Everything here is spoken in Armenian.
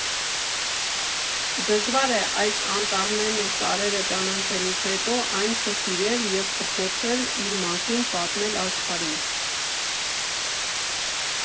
Դժվար է այս անտառներն ու սարերը ճանաչելուց հետո այն չսիրել և չփորձել իր մասին պատմել աշխարհին։